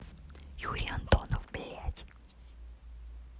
юрий антонов блять